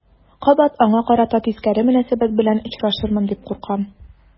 Кабат аңа карата тискәре мөнәсәбәт белән очрашырмын дип куркам.